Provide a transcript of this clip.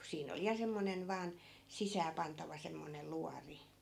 kun siinä oli ja semmoinen vain sisääpantava semmoinen luoti